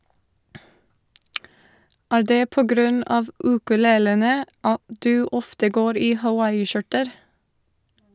- Er det på grunn av ukulelene at du ofte går i hawaiiskjorter?